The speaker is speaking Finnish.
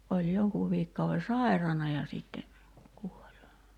oli jonkun viikkokauden sairaana ja sitten kuoli